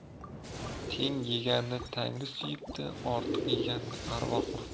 teng yeganni tangri suyibdi ortiq yeganni arvoh uribdi